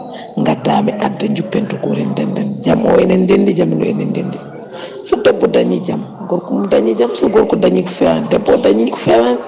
gaddaɓe mi adda juppen to gootel ndenden jaam o enen ndenndi jaam enen ndenndi so debbo jaam gorko mum dañi jaam so gorko dañi ko fewani debbo dañi ko fewani